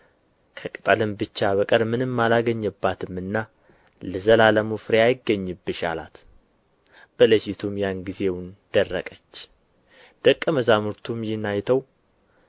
ከቅጠልም ብቻ በቀር ምንም አላገኘባትምና ለዘላለሙ ፍሬ አይገኝብሽ አላት በለሲቱም ያንጊዜውን ደረቀች ደቀ መዛሙርቱም ይህን አይተው